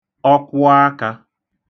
ọkwụakā